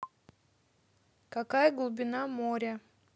какая глубина моря